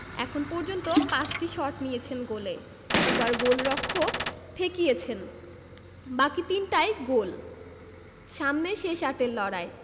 এখন পর্যন্ত ৫টি শট নিয়েছেন গোলে দুবার গোলরক্ষক ঠেকিয়েছেন বাকি তিনটাই গোল সামনে শেষ আটের লড়াই